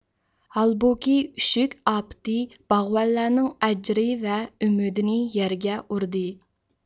ھالبۇكى ئۈششۈك ئاپىتى باغۋەنلەرنىڭ ئەجرى ۋە ئۈمىدىنى يەرگە ئۇردى